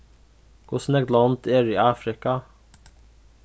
hvussu nógv lond eru í afrika